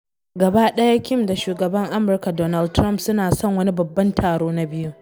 Gaba ɗaya Kim da Shugaban Amurka Donald Trump suna son wani babban taro na biyu.